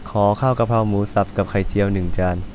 ขอข้าวกะเพราหมูกับไข่เจียวหนึ่งจาน